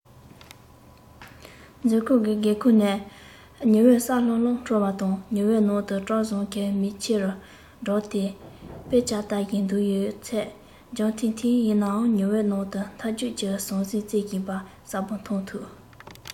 མཛོད ཁང གི སྒེའུ ཁུང ནས ཉི འོད གསལ ལྷང ལྷང འཕྲོ བ དང ཉི འོད ནང དུ བཀྲ བཟང གིས མིག ཆེ རུ བགྲད དེ དཔེ ཆར ལྟ བཞིན འདུག ཡོད ཚད འཇམ ཐིང ཐིང ཡིན ནའང ཉི འོད ནང དུ ཐལ རྡུལ གྱི ཟང ཟིང རྩེན བཞིན པ གསལ པོ མཐོང ཐུབ